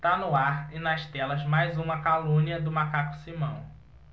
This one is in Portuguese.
tá no ar e nas telas mais uma calúnia do macaco simão